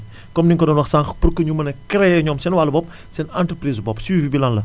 comme ni ñu ko doon wax sànq pour que ñu mën a créer ñoom seen wàllu bopp seen entreprises su bopp suivi bi lan la